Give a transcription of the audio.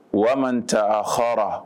Waati taa a h